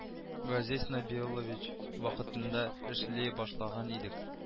Газиз нәбиуллович вакытында эшли башлаган идек